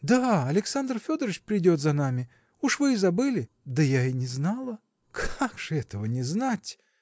– Да. Александр Федорыч придет за нами. Уж вы и забыли! – Да я и не знала. – Как этого не знать!